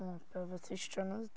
Yy rywbeth ti isio wneud.